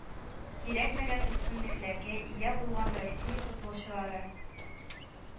Кирәкмәгән өстенлекләргә ия булган россия футболчылары